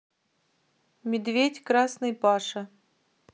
медведь красный паша